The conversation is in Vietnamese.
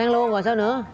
quen luôn rồi sao nữa